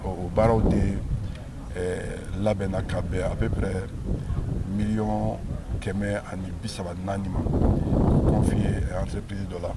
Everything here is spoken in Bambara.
Ɔ o baaraw de ɛɛ labɛnna ka bɛn à peut près 130 000 000F ma, enreprise dɔ la